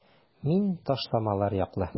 Мин ташламалар яклы.